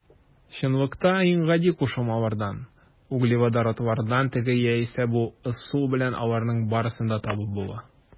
Чынлыкта иң гади кушылмалардан - углеводородлардан теге яисә бу ысул белән аларның барысын да табып була.